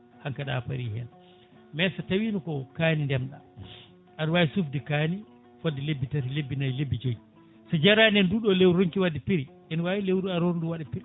hankkadi a paari hen mais so tawino ko kaani ndemɗa aɗa wawi sufde kaani fodde lebbi tati lebbi nayyi lebbi joyyi so jarani e nduɗo lewru ronki wadde prix ene wawi lewru aroru ndu waɗa prix